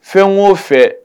Fɛn wo fɛ